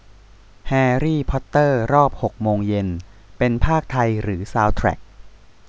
แฮรี่พอตเตอร์รอบหกโมงเย็นเป็นพากย์ไทยหรือซาวด์แทรก